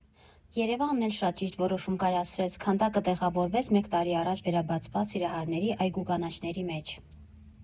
Երևանն էլ շատ ճիշտ որոշում կայացրեց՝ քանդակը տեղավորվեց մեկ տարի առաջ վերաբացված Սիրահարների այգու կանաչների մեջ։